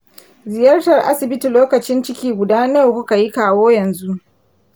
ziyartar asibiti lokacin ciki guda nawa ku ka yi kawo yanzu